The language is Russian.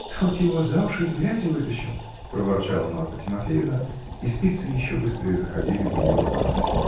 тот его за уши из грязи вытащил, -- проворчала Марфа Тимофеевна, и спицы еще быстрее заходили в ее руках.